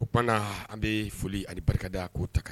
Tuma na an bɛ foli ani barikada k'o ta k